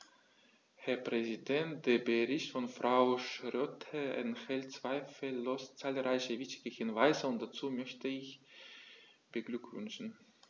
Herr Präsident, der Bericht von Frau Schroedter enthält zweifellos zahlreiche wichtige Hinweise, und dazu möchte ich sie beglückwünschen.